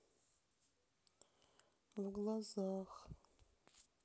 в глазах